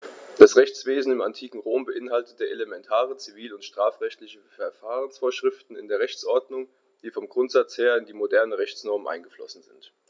Das Rechtswesen im antiken Rom beinhaltete elementare zivil- und strafrechtliche Verfahrensvorschriften in der Rechtsordnung, die vom Grundsatz her in die modernen Rechtsnormen eingeflossen sind.